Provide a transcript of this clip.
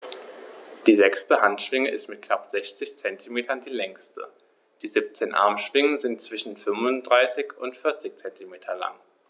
Die sechste Handschwinge ist mit knapp 60 cm die längste. Die 17 Armschwingen sind zwischen 35 und 40 cm lang.